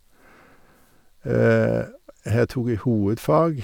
Her tok jeg hovedfag.